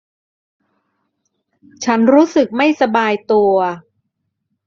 ฉันรู้สึกไม่สบายตัว